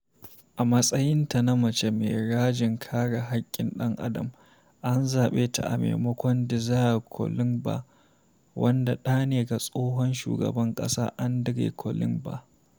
A matsayinta na mace mai rajin kare haƙƙin ɗan-adam, an zaɓe ta a maimakon Désiré Kolingba, wanda ɗa ne ga tsohon Shugaban ƙasa André Kolingba.